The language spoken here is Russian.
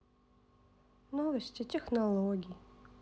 новости технологий